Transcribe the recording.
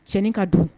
Tiɲɛin ka don